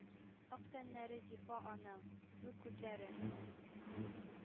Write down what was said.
Ак тәннәре зифа аның; зур күзләре